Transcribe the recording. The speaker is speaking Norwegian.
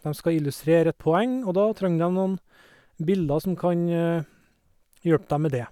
Dem skal illustrere et poeng, og da trenger dem noen bilder som kan hjelpe dem med dét.